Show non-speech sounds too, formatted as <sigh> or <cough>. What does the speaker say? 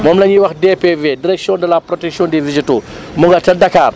moom la ñuy wax DPV direction de la protection des végétaux <breath> mu nga ca Dakar